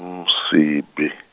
Msibi.